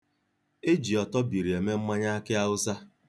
E ji ọtọbiri eme mmanya akị Awụsa.